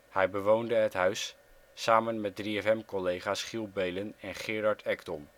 Hij bewoonde het huis samen met 3FM-collega 's Giel Beelen en Gerard Ekdom